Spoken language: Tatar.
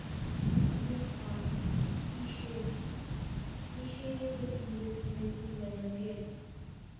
Зинһар, кичер, ничә ел бит инде сезне күрмәгәнгә!